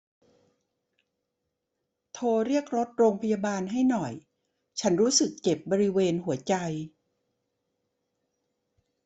โทรเรียกรถโรงพยาบาลให้หน่อยฉันรู้สึกเจ็บบริเวณหัวใจ